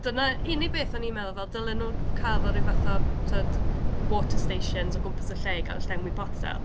Doedd 'na... Unig beth o'n i'n meddwl, fel dylen nhw p- cael, fel ryw fath o, tibod, water stations o gwmpas y lle i gael llenwi botel.